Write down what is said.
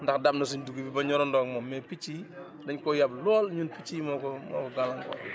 ndax dab na suñ dugub bi ñorandoo ak moom mais picc yi dañ koo yab lool ñun picc yi moo ko moo ko gàllankoor